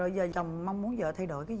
rồi giờ chồng mong mún dợ thay đổi cái gì